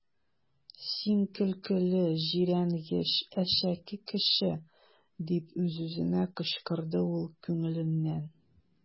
Син көлкеле, җирәнгеч, әшәке кеше! - дип үз-үзенә кычкырды ул күңеленнән.